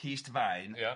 Cist faen. Ia.